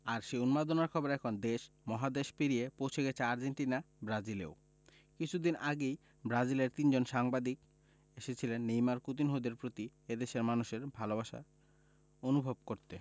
আর সেই উন্মাদনার খবর এখন দেশ মহাদেশ পেরিয়ে পৌঁছে গেছে আর্জেন্টিনা ব্রাজিলেও কিছুদিন আগেই ব্রাজিলের তিনজন সাংবাদিক এসেছিলেন নেইমার কুতিনহোদের প্রতি এ দেশের মানুষের ভালোবাসা অনুভব করতে